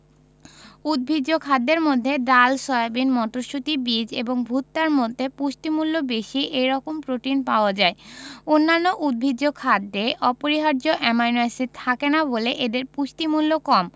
উদ্ভিজ্জ খাদ্যের মধ্যে ডাল সয়াবিন মটরশুটি বীজ এবং ভুট্টার মধ্যে পুষ্টিমূল্য বেশি এরকম প্রোটিন পাওয়া যায় অন্যান্য উদ্ভিজ্জ খাদ্যে অপরিহার্য অ্যামাইনো এসিড থাকে না বলে এদের পুষ্টিমূল্য কম